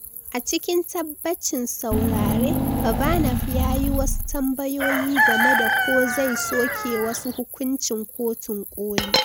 A cikin tabbacin saurare, Kavanaugh ya yi wasu tambayoyi game da ko zai soke wasu hukuncin Kotun Koli.